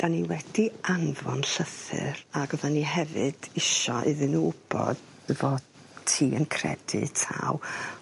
'dan ni wedi anfon llythyr ag oddan ni hefyd isio iddyn n'w wbod dy fod ti yn credu taw ...